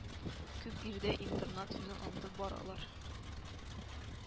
Күп ирдә интернат сүзен онытып баралар